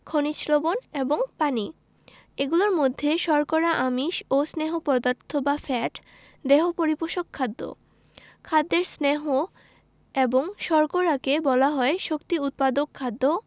খনিজ লবন এবং পানি এগুলোর মধ্যে শর্করা আমিষ ও স্নেহ পদার্থ বা ফ্যাট দেহ পরিপোষক খাদ্য খাদ্যের স্নেহ এবং শর্করাকে বলা হয় শক্তি উৎপাদক খাদ্য